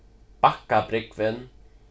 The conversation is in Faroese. bakkabrúgvin